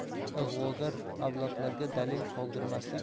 ig'vogar ablahlarga dalil qoldirmaslik